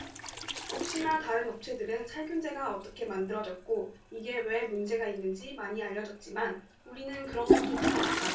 옥시나 다른 업체들은 살균제가 어떻게 만들어졌고 이게 왜 문제가 있는지 많이 알려졌지만 우리는 그런 것조차 없다